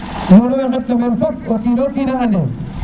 nun we ŋet na mene fop o kino kina ande